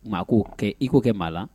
Maa ko iko kɛ maa la